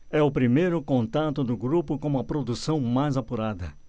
é o primeiro contato do grupo com uma produção mais apurada